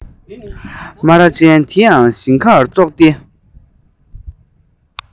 སྨ ར ཅན དེ ཡང ཞིང ཁར ཙོག སྟེ